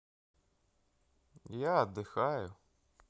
я отдыхаю